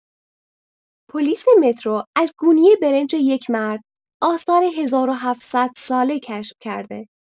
پلیس مترو از گونی برنج یک مرد، آثار ۱۷۰۰ ساله کشف کرده!